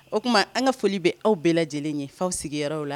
O tuma an ka foli bɛ aw bɛɛ lajɛlen ye faw sigiyɔrɔw la